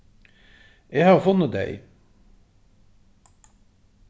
eg havi funnið tey